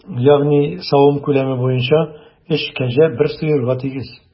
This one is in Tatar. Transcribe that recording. Ягъни савым күләме буенча өч кәҗә бер сыерга тигез.